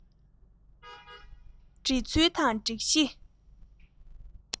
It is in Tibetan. གཅིག བལྟས པ ཙམ གྱིས